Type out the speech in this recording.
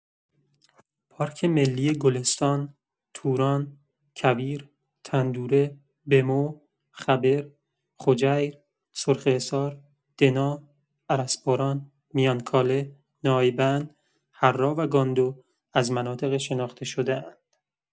پارک ملی گلستان، توران، کویر، تندوره، بمو، خبر، خجیر، سرخه‌حصار، دنا، ارسباران، میانکاله، نایبند، حرا و گاندو از مناطق شناخته‌شده‌اند.